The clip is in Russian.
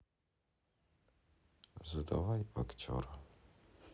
задавай актера